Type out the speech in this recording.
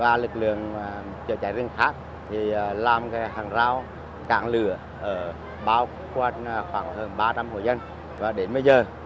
và lực lượng chữa cháy rừng khác thì làm cái hàng rào cản lửa ở bao quanh là khoảng hơn ba trăm hộ dân và đến bây giờ